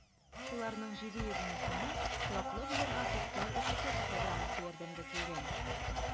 Шуларның 710-сына тораклы булырга социаль ипотека программасы ярдәмгә килгән.